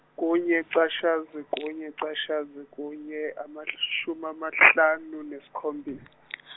kunye ichashaza kunye ichashazi kunye amashumi amahlanu nesikhombisa .